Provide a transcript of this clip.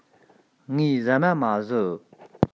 ངས ཟ མ མ ཟོས